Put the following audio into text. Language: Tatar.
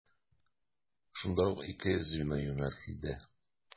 Шунда ук ике звено юнәтелде.